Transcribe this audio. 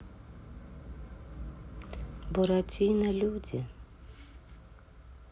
буратино люди